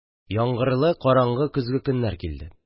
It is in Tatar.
Яңгырлы, караңгы көзге көннәр килде